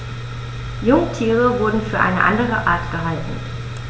Jungtiere wurden für eine andere Art gehalten.